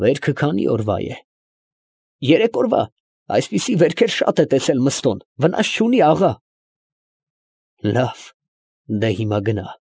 Վերքը քանի՞ օրվա է։ ֊ Երեք օրվա, այսպիսի վերքեր շատ է տեսել Մըստոն, վնաս չունի։ ֊ Դե՛հ, հիմա գնա։